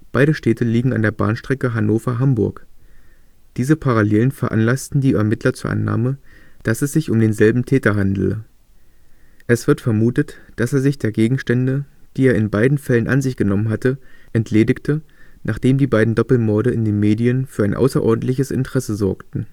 Beide Städte liegen an der Bahnstrecke Hannover – Hamburg. Diese Parallelen veranlassten die Ermittler zur Annahme, dass es sich um denselben Täter handele. Es wird vermutet, dass er sich der Gegenstände, die er in beiden Fällen an sich genommen hatte, entledigte, nachdem die beiden Doppelmorde in den Medien für ein außerordentliches Interesse sorgten